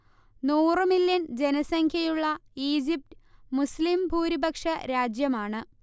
നൂറ് മില്യൺ ജനസംഖ്യയുള്ള ഈജിപ്ത് മുസ്ലിം ഭൂരിപക്ഷ രാജ്യമാണ്